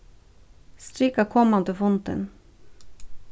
strika komandi fundin